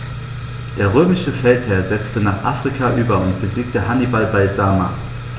Der römische Feldherr setzte nach Afrika über und besiegte Hannibal bei Zama.